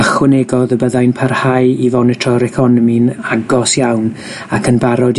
Ychwanegodd y byddai'n parhau i fonitro'r economi'n agos iawn ac yn barod